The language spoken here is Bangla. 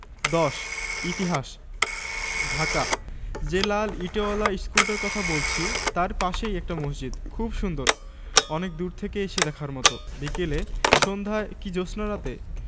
ঠ জাতীয় উন্নয়নের স্বার্থে পুস্তকের আমদানী ও রপ্তানী নীতি সহজতর করা হোক পরিশেষে আমাদের নিবেদন জাতীয় শিক্ষা ও সংস্কৃতি উন্নয়নে আমরা পুস্তক প্রকাশক ও বিক্রেতাগণ সঙ্গত ভূমিকা